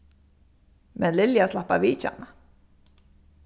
men lilja slapp at vitja hana